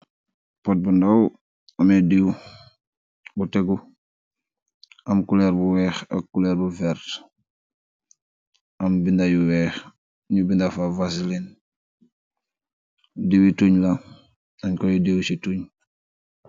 Pott bu doow ammeh dew , bu teguh amm guloor bu weeh ak guloor bu werta , amm bendah yu weeh ,nuh bendah faa vaseline , diweeh tug laah deen guh deww si tug.